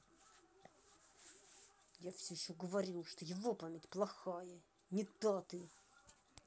я все еще говорю что его память плохая не та ты